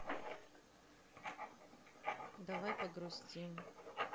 давай погрустим